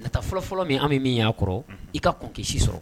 Nata fɔlɔfɔlɔ min an bɛ min y'a kɔrɔ i ka kɔnke si sɔrɔ